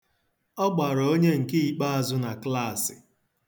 Ọ gbara onye nke ikpeazụ na klaasị.